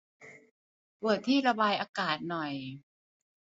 เปิดที่ระบายอากาศหน่อย